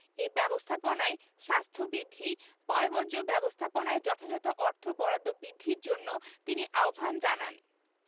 এই ব্যবস্থাপনায় স্বাস্থ্যবিধি পয়ঃবর্জ্য ব্যবস্থাপনায় যথাযথ অর্থ বরাদ্দ বৃদ্ধির জন্য তিনি আহ্বান জানান